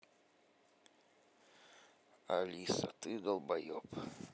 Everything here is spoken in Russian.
алиса ты долбоеб